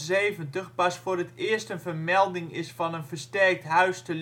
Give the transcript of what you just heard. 1270 pas voor het eerst een vermelding is van een versterkt Huis te